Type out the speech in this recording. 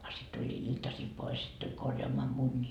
a sitten tuli iltasilla pois sitten tuli korjaamaan munia